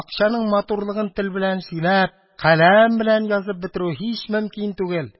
Бакчаның матурлыгын тел белән сөйләп, каләм белән язып бетерү һич мөмкин түгел.